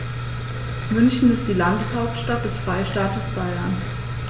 München ist die Landeshauptstadt des Freistaates Bayern.